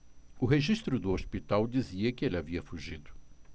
o registro do hospital dizia que ele havia fugido